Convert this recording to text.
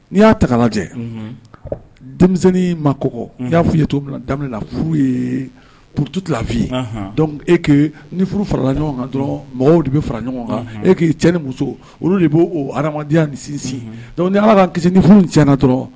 N'i y'a ta lajɛ denmisɛnnin ma ko i y'a fɔ ye to daminɛ furu ye ptu filafi e furu farala ɲɔgɔn kan mɔgɔw de bɛ fara ɲɔgɔn kan e k'i ti ni muso olu de b adamadenya sinsin dɔnku ni ala kisi ni furu tiɲɛna dɔrɔn